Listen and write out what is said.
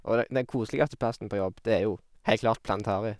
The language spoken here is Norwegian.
Og det den koseligste plassen på jobb, det er jo heilt klart planetariet.